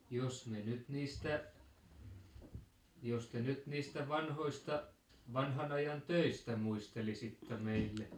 jos me nyt niistä jos te nyt niistä vanhoista vanhan ajan töistä muistelisitte meille